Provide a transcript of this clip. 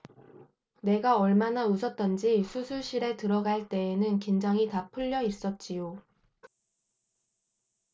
내가 얼마나 웃었던지 수술실에 들어갈 때에는 긴장이 다 풀려 있었지요